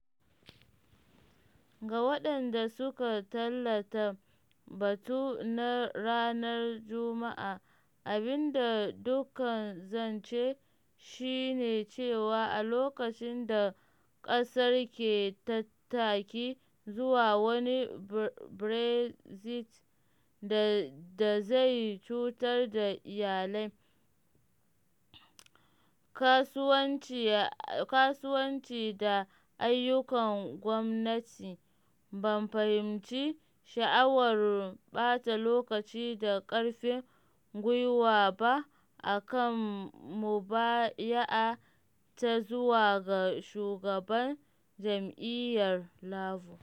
Ga waɗanda suka tallata batu na ranar Juma’a, abin da dukka zan ce shi ne cewa a lokacin da ƙasar ke tattaki zuwa wani Brexit da zai cutar da iyalai, kasuwanci da ayyukan gwamnati, ban fahimci sha’awar ɓata lokaci da ƙarfin gwiwa ba a kan mubaya’a ta zuwa ga shugaban jam’iyyar Labour.